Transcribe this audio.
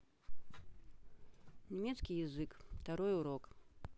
немецкий язык второй урок